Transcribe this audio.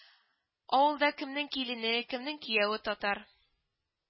Авылда кемнең - килене, кемнең кияве - татар